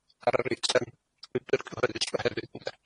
ar yr eitem llwybyr cyhoeddus yma hefyd, ynde.